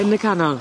Yn y canol?